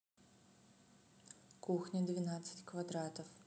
кухня двенадцать квадратов